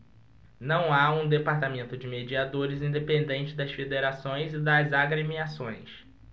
não há um departamento de mediadores independente das federações e das agremiações